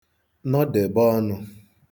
nọdèbe ọnụ̄